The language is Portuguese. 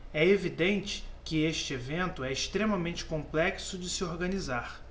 é evidente que este evento é extremamente complexo de se organizar